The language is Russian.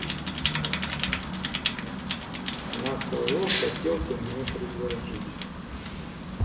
на кого хотел ты мне предложить